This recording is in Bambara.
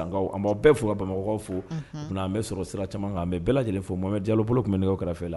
Bɛɛ fo ka bamakɔ fo an bɛ sɔrɔ sira caman bɛ bɛɛ lajɛlen fo ja bolo tun bɛ nɛgɛ kɛrɛfɛ la